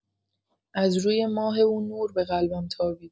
از روی ماه او نور به قلبم تابید.